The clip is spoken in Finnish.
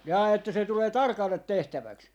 jaa että se tulee tarkalle tehtäväksi